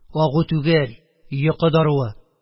– агу түгел, йокы даруы.